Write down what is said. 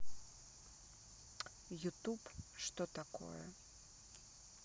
youtube что такое